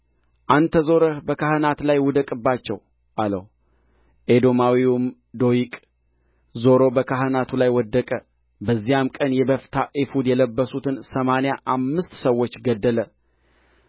አንተ ዞረህ በካህናቱ ላይ ውደቅባቸው አለው ኤዶማዊውም ዶይቅ ዞሮ በካህናቱ ላይ ወደቀ በዚያም ቀን የበፍታ ኤፉድ የለበሱትን ሰማንያ አምስት ሰዎች ገደለ